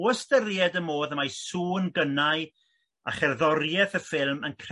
o ystyried y modd y mae sŵn gynnau a cherddorieth y ffilm